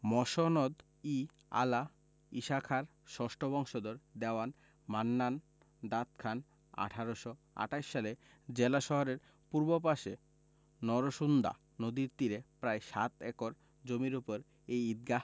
মসনদ ই আলা ঈশাখার ষষ্ঠ বংশধর দেওয়ান মান্নান দাদ খান ১৮২৮ সালে জেলা শহরের পূর্ব পাশে নরসুন্দা নদীর তীরে প্রায় সাত একর জমির ওপর এই ঈদগাহ